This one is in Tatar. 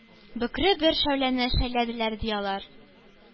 Бөкре бер шәүләне шәйләделәр, ди, алар.